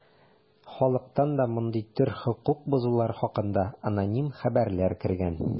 Халыктан да мондый төр хокук бозулар хакында аноним хәбәрләр кергән.